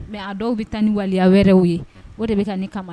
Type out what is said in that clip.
Mais a dɔw bɛ taa ni waleya wɛrɛw ye o de be ka ne kama